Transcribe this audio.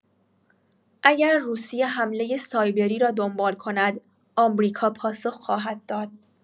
اگر روسیه حمله سایبری را دنبال کند، آمریکا پاسخ خواهد داد.